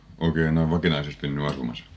oikein noin vakinaisesti nyt asumassa